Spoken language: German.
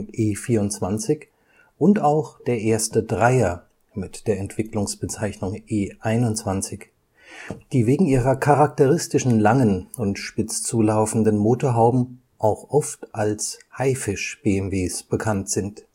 E24 und auch der erste 3er (E21), die wegen ihrer charakteristischen langen und spitz zulaufenden Motorhauben auch oft als Haifisch-BMWs bekannt sind